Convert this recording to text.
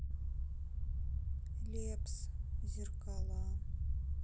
лепс зеркала